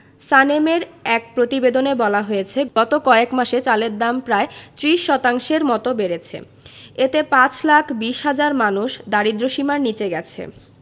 সানেমের এক প্রতিবেদনে বলা হয়েছে গত কয়েক মাসে চালের দাম প্রায় ৩০ শতাংশের মতো বেড়েছে এতে ৫ লাখ ২০ হাজার মানুষ দারিদ্র্যসীমার নিচে গেছে